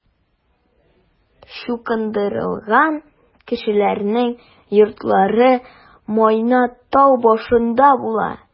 Чукындырылган кешеләрнең йортлары Майна тау башында була.